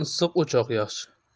issiq o'choq yaxshi